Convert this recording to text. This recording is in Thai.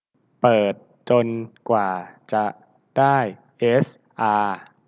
เปิดจนกว่าจะได้เอสอา